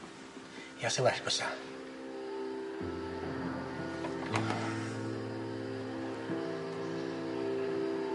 Ia sa well bysa?